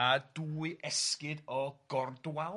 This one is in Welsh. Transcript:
a dwy esgid o gordwal.